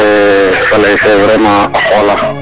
fa lay fe vraiment a xoola